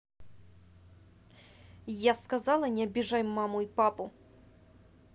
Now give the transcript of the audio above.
я сказала не обижай маму папу